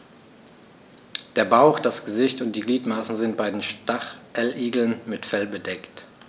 Der Bauch, das Gesicht und die Gliedmaßen sind bei den Stacheligeln mit Fell bedeckt.